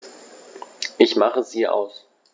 Ich mache sie aus.